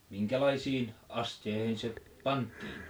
minkälaisiin astioihin se pantiin